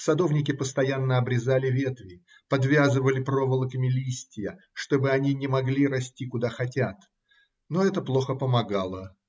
Садовники постоянно обрезали ветви, подвязывали проволоками листья, чтобы они не могли расти, куда хотят, но это плохо помогало.